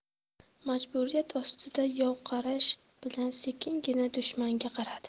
majburiyat ostida yovqarash bilan sekingina dushmanga qaradi